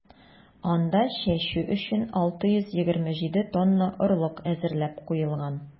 Анда чәчү өчен 627 тонна орлык әзерләп куелган.